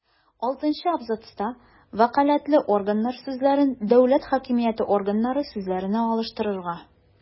Алтынчы абзацта «вәкаләтле органнар» сүзләрен «дәүләт хакимияте органнары» сүзләренә алмаштырырга;